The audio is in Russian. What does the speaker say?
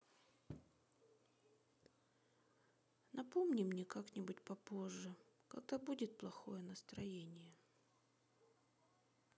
напомни мне как нибудь попозже когда будет плохое настроение